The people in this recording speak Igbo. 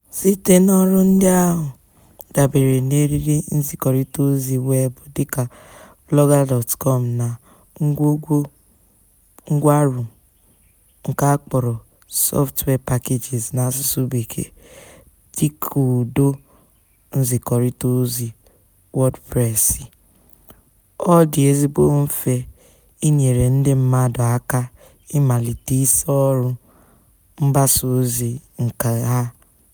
Site n'ọrụ ndị ahụ dabere n'eriri nzikọrịtaozi weebụ dịka Blogger.com na ngwugwu ngwanro nke a kpọrọ 'software packages' n'asụsụ Bekee dịka ụdọ nzikọrịtaozi Wodpresi, ọ dị ezigbo mfe ịnyere ndị mmadụ aka ịmalite isi ọrụ mgbasa ozi nke ha.